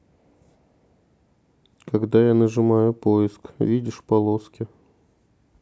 когда я нажимаю поиск видишь полоски